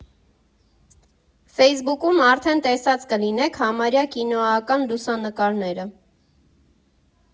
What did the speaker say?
Ֆեյսբուքում արդեն տեսած կլինեք համարյա կինոական լուսանկարները։